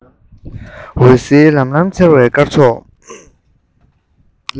འོད ཟེར ལམ ལམ འཚེར བའི སྐར ཚོགས